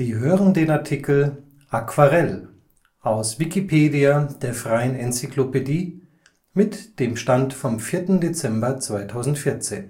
hören den Artikel Aquarell, aus Wikipedia, der freien Enzyklopädie. Mit dem Stand vom Der